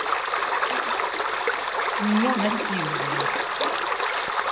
а меня насиловала